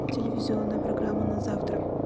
телевизионная программа на завтра